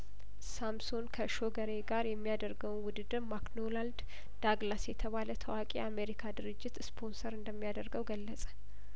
ሳምሶን ከሾገሬ ጋር የሚያደርገውን ውድድር ማክዶናልድ ዳግላስ የተባለታዋቂ የአሜሪካ ድርጅት ስፖንሰር እንደሚያደርገው ገለጸ